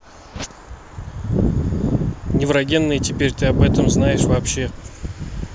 неврогенные теперь ты об этом знаешь вообще